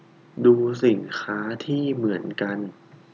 ดูสินค้าที่เหมือนกัน